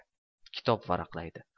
kitob varaqlaydi